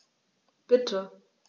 Bitte.